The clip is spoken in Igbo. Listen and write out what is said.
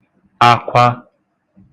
akwa